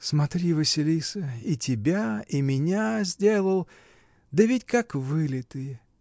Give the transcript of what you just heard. Смотри, Василиса: и тебя, и меня сделал, да ведь как вылитые!